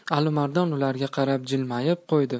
alimardon ularga qarab jilmayib qo'ydi